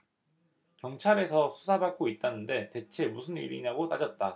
경찰에서 수사받고 있다는데 대체 무슨 일이냐고 따졌다